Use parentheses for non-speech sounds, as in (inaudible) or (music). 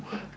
(hesitation)